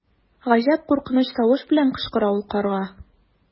Гаҗәп куркыныч тавыш белән кычкыра ул карга.